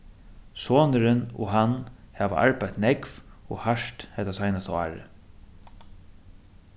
sonurin og hann hava arbeitt nógv og hart hetta seinasta árið